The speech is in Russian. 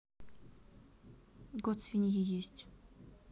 год свиньи есть